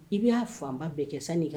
I bɛ'a fanba bɛɛ kɛ sanni kan